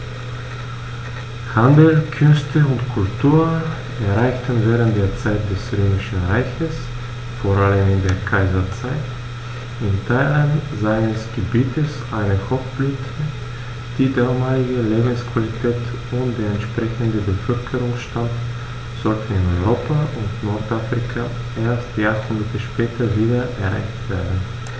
Handel, Künste und Kultur erreichten während der Zeit des Römischen Reiches, vor allem in der Kaiserzeit, in Teilen seines Gebietes eine Hochblüte, die damalige Lebensqualität und der entsprechende Bevölkerungsstand sollten in Europa und Nordafrika erst Jahrhunderte später wieder erreicht werden.